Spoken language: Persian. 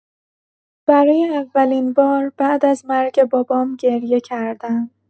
برای اولین بار بعد از مرگ بابام گریه کردم.